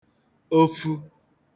ofu